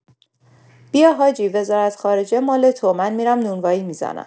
بیا حاجی وزارت‌خارجه مال تو من می‌رم نونوایی می‌زنم.